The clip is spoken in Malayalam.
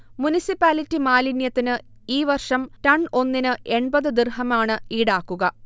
മുനിസിപ്പാലിറ്റി മാലിന്യത്തിന്ഈ വർഷം ടൺ ഒന്നിന് എൺപത് ദിർഹമാണ്ഇടാക്കുക